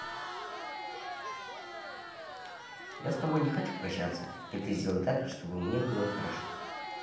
я с тобой не хочу прощаться и ты сделай так чтобы мне было хорошо